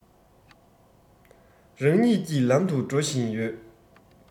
རང ཉིད ཀྱི ལམ དུ འགྲོ བཞིན ཡོད